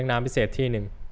เล็กน้ำพิเศษที่นึง